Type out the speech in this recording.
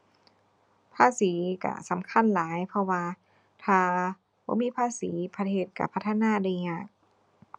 ภาษีก็สำคัญหลาย เพราะว่าถ้าบ่มีภาษีประเทศก็พัฒนาได้ยาก